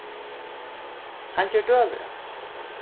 hann ger døgurða